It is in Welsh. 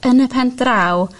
yn y pen draw